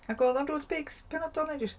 Ac oedd o'n route beics penodol neu jyst...?